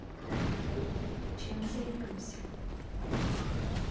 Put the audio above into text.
чем займемся